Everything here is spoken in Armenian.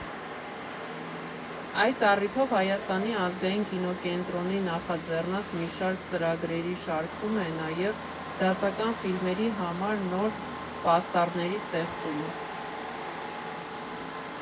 Այս առիթով Հայաստանի ազգային կինոկենտրոնի նախաձեռնած մի շարք ծրագրերի շարքում է նաև դասական ֆիլմերի համար նոր պաստառների ստեղծումը։